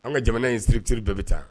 An ka jamana in structure dɔ bɛ taa